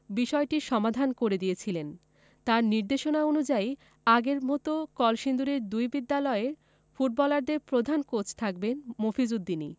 বিষয়টির সমাধান করে দিয়েছিলেন তাঁর নির্দেশনা অনুযায়ী আগের মতো কলসিন্দুরের দুই বিদ্যালয়ের ফুটবলারদের প্রধান কোচ থাকবেন মফিজ উদ্দিনই